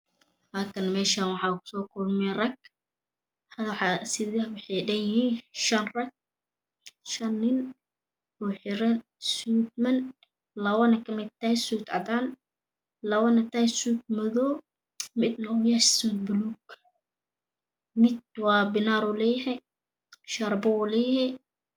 Maantana meeshaan waxaa ku soo kulmay rag wax sida waxay dhan yihiin 5 rag 5 nin oo xiran suudad midna ka mid yahay suud cadan labana wataan suud madow midna suud buluug. mid waa bidaar uu leehayah shaarbo uu leeyahay